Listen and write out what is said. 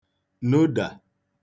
nodà